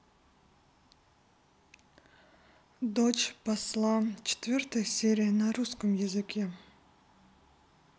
дочь посла четвертая серия на русском